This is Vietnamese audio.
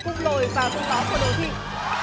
khung lồi và khung lõm của đồ thị